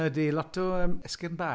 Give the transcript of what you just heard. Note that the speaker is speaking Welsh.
Ydy, lot o yym esgyrn bach.